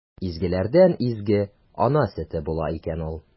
Изгеләрдән изге – ана сөте була икән ул!